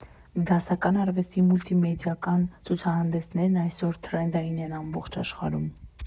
Դասական արվեստի մուլտիմեդիական ցուցահանդեսներն այսօր թրենդային են ամբողջ աշխարհում։